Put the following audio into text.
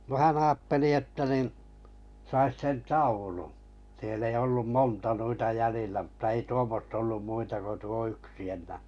no hän ajatteli että niin saisi sen taulun siellä ei ollut monta noita jäljillä mutta ei tuommoista ollut muita kuin tuo yksi enää